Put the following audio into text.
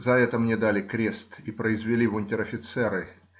за это мне дали крест и произвели в унтер-офицеры.